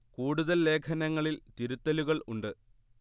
കൂടുതൽ ലേഖനങ്ങളിൽ തിരുത്തലുകൾ ഉണ്ട്